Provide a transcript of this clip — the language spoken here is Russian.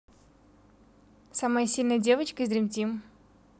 самая сильная девочка из дримтим